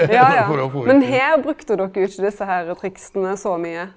ja ja, men her brukte dokker jo ikkje desse herre triksa så mykje.